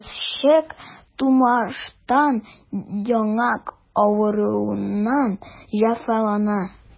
Кызчык тумыштан яңак авыруыннан җәфалана.